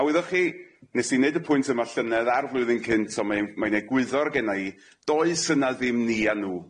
A wyddoch chi nes i neud y pwynt yma llynedd a'r flwyddyn cynt on' mae'n mae'n egwyddor genna i does yna ddim ni a nw.